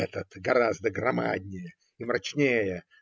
Этот гораздо громаднее и мрачнее.